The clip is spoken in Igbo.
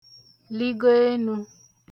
lị̀go enū